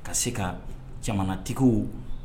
Ka se ka jamanatigiw